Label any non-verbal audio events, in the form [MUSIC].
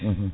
[HESITATION] [HESITATION]